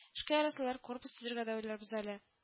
Эшкә ярасалар, корпус төзергә дә уйларбыз әле. -